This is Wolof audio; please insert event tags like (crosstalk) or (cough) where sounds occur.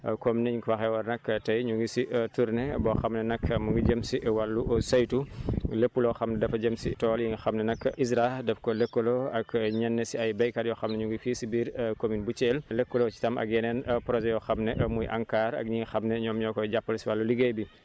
comme ni ñu ko waxee woon nag tey ñu ngi si (hesitation) tournée (noise) boo xam ne nag mu (noise) ngi jëm si wàllu saytu (noise) lépp loo xam dafa jëm si tool yi nga xam ne nag ISRA da ko lëkkaloo ak ñenn si ay béykat yoo xam ñu ngi fii si biir (hesitation) commune bu Thiel lëkkaloo si tam ak yeneen projet yoo xam ne (noise) muy ANCAR ak ñi nga xam ne ñoom ñoo koy jàppale si wàllu liggéey bi